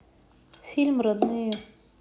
фильм родные